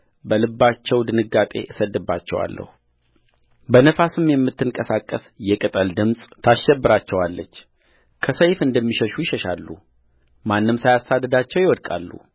በልባቸው ድንጋጤን እሰድድባቸዋለሁ በነፋስም የምትንቀሳቀስ የቅጠል ድምፅ ታሸብራቸዋለች ከሰይፍ እንደሚሸሹ ይሸሻሉ ማንም ሳያሳድዳቸው ይወድቃሉ